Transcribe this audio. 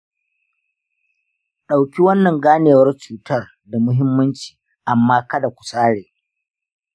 ɗauki wannan ganewar cutar da muhimmanci amma kada ku sare.